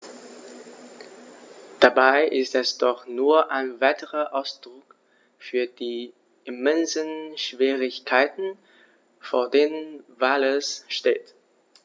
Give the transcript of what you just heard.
Dabei ist es doch nur ein weiterer Ausdruck für die immensen Schwierigkeiten, vor denen Wales steht.